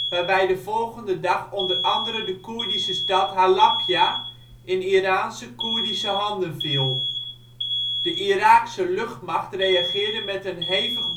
waarbij de volgende dag onder andere de Koerdische stad Halabja in Iraanse/Koerdische handen viel. De Iraakse luchtmacht reageerde met een hevig